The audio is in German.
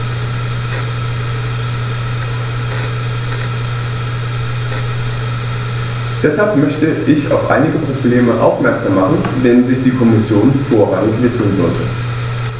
Deshalb möchte ich auf einige Probleme aufmerksam machen, denen sich die Kommission vorrangig widmen sollte.